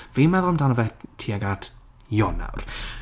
Fi'n meddwl amdano fe tuag at Ionawr.